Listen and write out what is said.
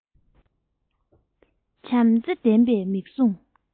བྱམས བརྩེ ལྡན པའི མིག ཟུང